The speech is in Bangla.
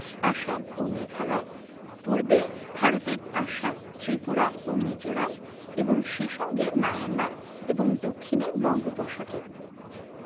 আসাম ও মেঘালয় পূর্বে ভারতের আসাম ত্রিপুরা ও মিজোরাম এবং সেই সঙ্গে মায়ানমার এবং দক্ষিণে বঙ্গোপসাগর